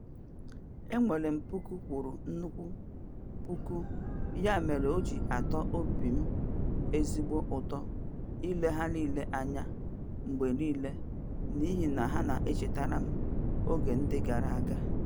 E nwere m puku kwuru puku ya mere o ji atọ obi m ezigbo ụtọ ile ha niile anya mgbe niile n'ihi na ha na-echetara m oge ndị gara aga.